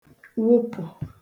wụpụ̀